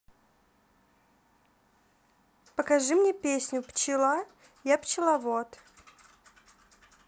покажи мне песню пчела я пчеловод